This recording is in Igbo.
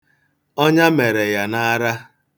Ọnya mere ya n'ara.